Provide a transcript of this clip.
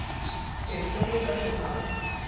республика судан